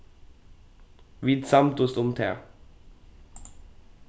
vit samdust um tað